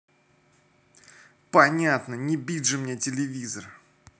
понятно не бить же мне телевизор